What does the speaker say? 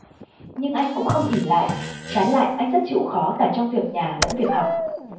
nhưng anh cũng không ỷ lại trái lại anh rất chịu khó cả trong việc nhà lẫn việc học